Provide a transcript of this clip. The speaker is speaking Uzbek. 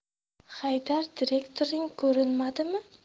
haydar direktoring ko'rinmadimi